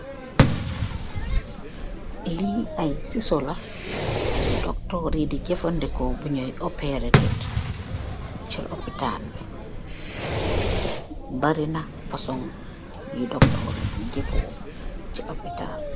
Le ay scisssor la you doctor yi du jaqfendicor si nyu koi opporer nyu febar yi si hopital bi.